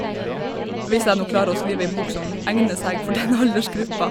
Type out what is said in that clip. Hvis jeg nå klarer å skrive ei bok som egner seg for den aldersgruppa.